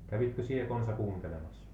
kävitkö sinä konsa kuuntelemassa